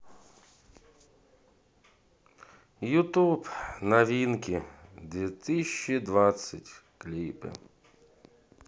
ютуб новинки две тысячи двадцать клипы